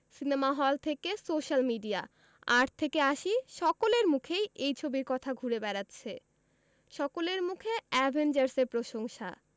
cinema hall থেকে social media আট থেকে আশি সকলের মুখেই এই ছবির কথা ঘুরে বেড়াচ্ছে সকলের মুখে অ্যাভেঞ্জার্স এর প্রশংসা